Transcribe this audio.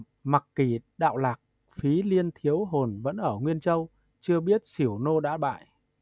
mặc kỳ đạo lạc phí liên thiếu hồn vẫn ở nguyên châu chưa biết sửu nô đã bại